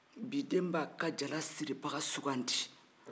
bi den ba ka jala siri baga sugati